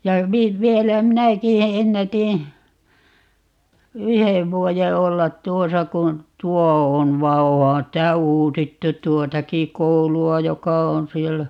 ja - vielä minäkin - ennätin yhden vuoden olla tuossa kun tuo on vaan onhan sitä uusittu tuotakin koulua joka on siellä